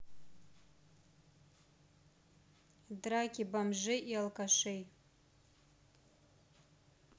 драки бомжей и алкашей